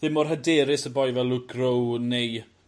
ddim mor hyderus â boi fel Luke Rowe neu